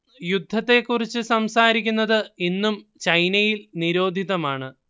യുദ്ധത്തെക്കുറിച്ച് സംസാരിക്കുന്നത് ഇന്നും ചൈനയിൽ നിരോധിതമാണ്